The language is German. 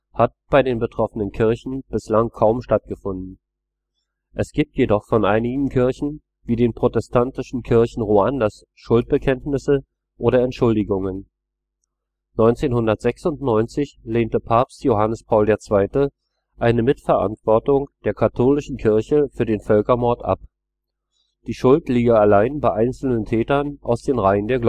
hat bei den betroffenen Kirchen bislang kaum stattgefunden. Es gibt jedoch von einigen Kirchen wie den protestantischen Kirchen Ruandas Schuldbekenntnisse oder Entschuldigungen. 1996 lehnte Papst Johannes Paul II. eine Mitverantwortung der katholischen Kirche für den Völkermord ab. Die Schuld liege allein bei einzelnen Tätern aus den Reihen der